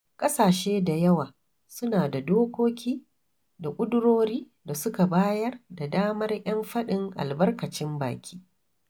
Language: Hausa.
ƙasashe da yawa suna da dokoki da ƙudurori da suka bayar da damar 'yan faɗin albarkacin baki.